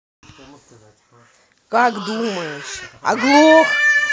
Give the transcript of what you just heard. как думаешь оглох